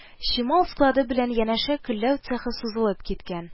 Чимал склады белән янәшә көлләү цехы сузылып киткән